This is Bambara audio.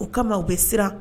O kama u bɛ siran